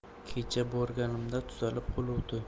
kecha borganimda tuzalib qoluvdi